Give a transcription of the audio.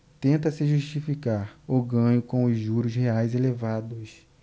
tenta-se justificar o ganho com os juros reais elevados